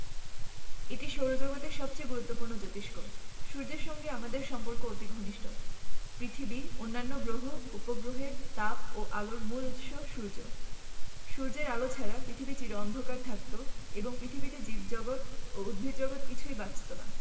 এটি সৌরজগতের সবচেয়ে গুরুত্বপূর্ণ জোতিষ্ক সূর্যের সঙ্গে আমাদের সম্পর্ক অতি ঘনিষ্ট পৃথিবী অন্যান্য গ্রহ উপগ্রহের তাপ ও আলোর মূল উৎস সূর্য সূর্যের আলো ছাড়া পৃথিবী চির অন্ধকার থাকত এবং পৃথিবীতে জীবজগত ও উদ্ভিদজগৎ কিছুই বাঁচত না